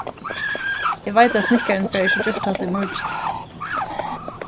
eg veit at snikkarin fær ikki gjørt hatta í morgin